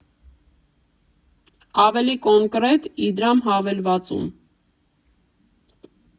Ավելի կոնկրետ՝ Իդրամ հավելվածում։